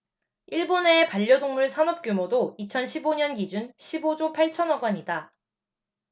일본의 반려동물 산업 규모도 이천 십 오 년 기준 십 오 조 팔천 억 원이다